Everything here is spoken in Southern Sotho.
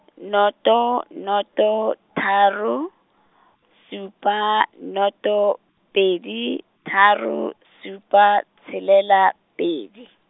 noto noto tharo, supa noto pedi, tharo supa tshelela pedi.